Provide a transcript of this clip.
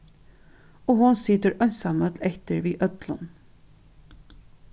og hon situr einsamøll eftir við øllum